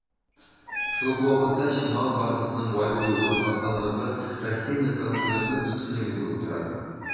Шул ук вакытта, чимал базасының бай булуы һәм арзанлыгы Россиянең конкурентлык өстенлеге булып тора.